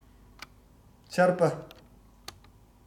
ཆར པ